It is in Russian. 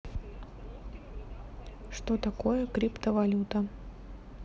что такое криптовалюта